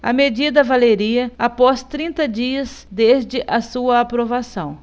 a medida valeria após trinta dias desde a sua aprovação